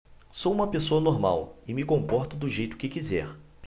sou homossexual e me comporto do jeito que quiser